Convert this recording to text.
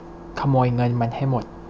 ขโมยเงินมันให้หมด